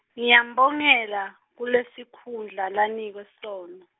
Ngiyambongela, kulesikhundla lanikwe sona.